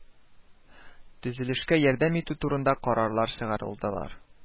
Төзелешкә ярдәм итү турында карарлар чыгардылар